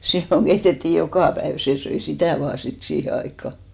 silloin keitettiin joka päivä se söi sitä vain sitten siihen aikaan